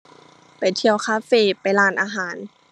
ไปเที่ยวคาเฟ ไปร้านอาหาร